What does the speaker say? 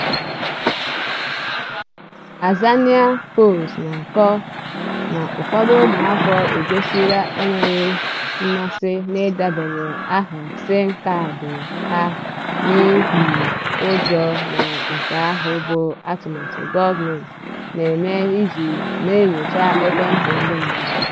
Azania Post na-akọ na ụfọdụ ụmụafọ egosila enweghị mmasị n'idebanye aha SIM kaadị ha n'ihi ụjọ na nke ahụ bụ "atụmatụ gọọmentị na-eme iji na-enyocha ekwentị ndị mmadụ."